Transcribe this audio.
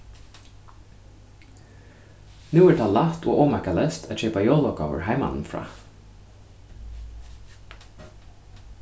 nú er tað lætt og ómakaleyst at keypa jólagávur heimanífrá